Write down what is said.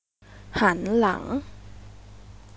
หันหลัง